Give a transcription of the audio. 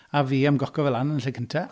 A fi am gocio fe lan yn y lle cyntaf.